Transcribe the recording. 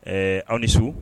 Ɛɛ aw ni su